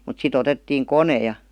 mutta sitten otettiin kone ja